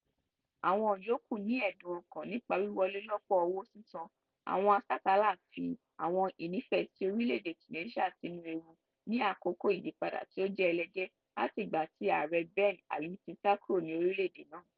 Àwọn yòókù, ní ẹ̀dùn ọkàn nípa wíwọlé lọ́pọ̀ owó sísan àwọn asásàálà fi àwọn ìnífẹ̀ẹ́sí orílẹ̀ èdè Tunisia sínú ewu ní àkókò ìyípadà tí ó jẹ́ ẹlẹgẹ́ láti ìgbà tí Ààrẹ Ben Ali ti sá kúrò ní orílẹ̀ èdè náà.